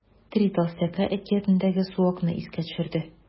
“три толстяка” әкиятендәге суокны искә төшерде.